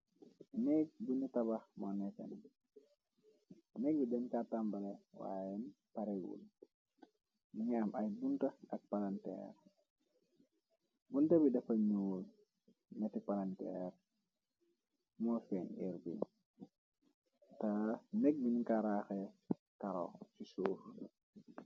neekg buni tabax moo neteen nek bi denca catambale waaye parewul mingi am ay bunta ak palaner bunta bi dafa ñuul nati palanteer moo feeñ er bi ta nek biñ nuko raaxe karo ci suuf.